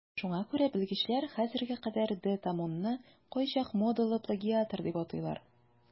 Шуңа күрә белгечләр хәзергә кадәр де Томонны кайчак модалы плагиатор дип атыйлар.